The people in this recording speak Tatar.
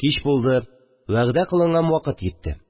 Кич булды, вәгъдә кылынган вакыт йитте